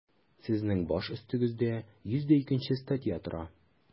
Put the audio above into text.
Сезнең баш өстегездә 102 нче статья тора.